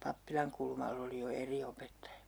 Pappilankulmalla oli jo eri opettaja